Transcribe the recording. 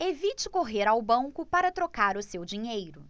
evite correr ao banco para trocar o seu dinheiro